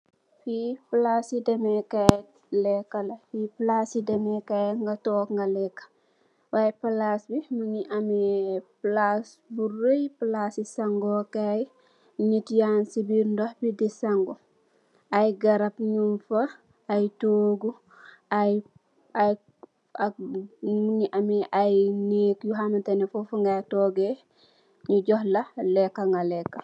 Fii palaasi demee kaay nga took nga leka, waay palaas bi, mungi ame palaas bu reuy, palaasi sangoo kaay, nit yaang si biir ndoh bi di sangu, aye garap nyung fa, aye toogu, mungi ame aye neek yu hamantanii fofu ngay toogee, nyu johla lek.